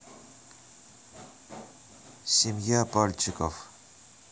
семья пальчиков